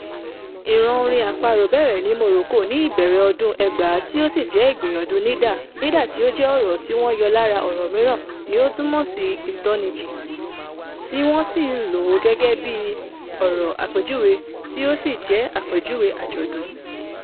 Ìran orin apààrọ̀ bẹ̀rẹ̀ ní Morocco ní ìbẹ̀rẹ̀ ọdún 2000 tí ó sì ń jẹ́ ìgbìyànjú Nayda ("nayda" tí ó jẹ́ ọ̀rọ̀ tí wọ́n yọ lára ọ̀rọ̀ mìíràn ni ó túmọ̀ sí "ìtanijí", tí wọ́n sì ń lò ó gẹ́gẹ́ bí ọ̀rọ̀ àpèjúwe tí ó ń ṣe àpèjúwe àjọ̀dún).